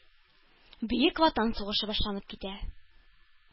Бөек Ватан сугышы башланып китә.